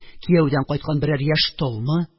Кияүдән кайткан берәр яшь толмы